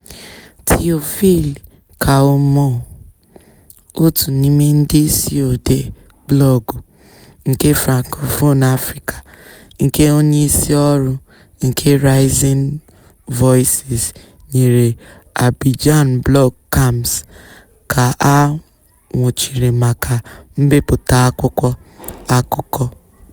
Théophile Kouamouo, otu n'ime ndị isi odee blọọgụ nke Francophone Africa, na onyeisi ọrụ nke Rising Voices nyere Abidjan Blog Camps ka a nwụchiri maka mbipụta akwụkwọ akụkọ.